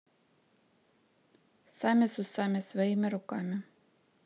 сами с усами своими руками